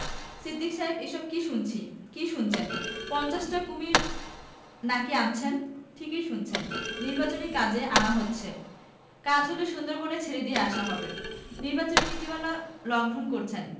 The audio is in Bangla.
সিদ্দিক সাহেব এসব কি শুনছি কি শুনছেন পঞ্চাশটা কুমীর না কি আনছেন ঠিকই শুনেছেন নির্বাচনী কাজে আনা হচ্ছে কাজ হলে সুন্দরবনে ছেড়ে দিয়ে আসা হবে ‘নিবাচনী নীতিমালা লংঘন করছেন